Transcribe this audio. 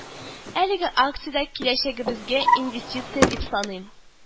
Әлеге акция дә киләчәгебезгә инвестиция, дип саныйм